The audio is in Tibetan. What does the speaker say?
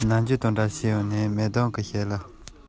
ཁྱིའི ཟུག སྒྲའི ཁྲོད དུ སྒོ ཕྱིར ཐོན